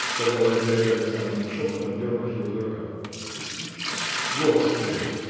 – сказала Лизавета Александровна шепотом дернув его за рукав – ты спишь? – Вот, сплю!